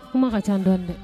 Kuma ka ca dɔɔnin dɛ